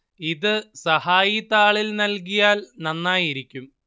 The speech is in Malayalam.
ഇത് സഹായി താളിൽ നൽകിയാൽ നന്നായിരിക്കും